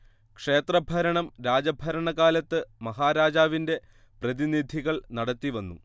ക്ഷേത്രഭരണം രാജഭരണകാലത്ത് മഹാരാജാവിന്റെ പ്രതിനിധികൾ നടത്തിവന്നു